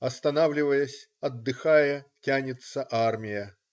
Останавливаясь, отдыхая, тянется армия.